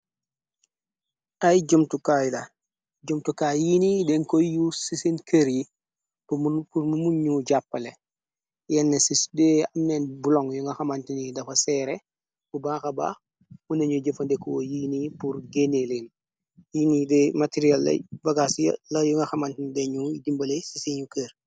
Ay jëmtukaay la jëmtukaay yi ni denkoy yu sisiin kër yi rmu muñ ñu jàppale yenn ci sude amneen bu lon yu nga xamantini dafa seere bu baaxa bax mu nañu jëfandekkoo yiini pur gene leen yini de materiel bagaas la yu nga xamantni dañu dimbale sisin u kër.